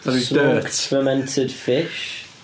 Smoked fermented fish.